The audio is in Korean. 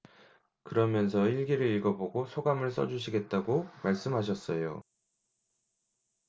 그러면서 일기를 읽어 보고 소감을 써 주시겠다고 말씀하셨어요